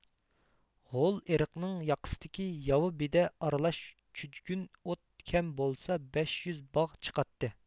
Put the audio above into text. غول ئېرىقنىڭ ياقىسىدىكى ياۋا بېدە ئارىلاش چۈجگۈن ئوت كەم بولسا بەش يۈز باغ چىقاتتى